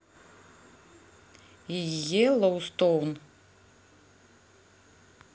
йеллоустоун